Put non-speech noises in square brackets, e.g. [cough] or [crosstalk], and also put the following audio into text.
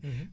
[hesitation] [hesitation]